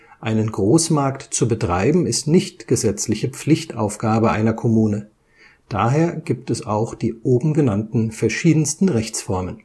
Einen Großmarkt zu betreiben ist nicht gesetzliche Pflichtaufgabe einer Kommune, daher gibt es auch die oben genannten verschiedensten Rechtsformen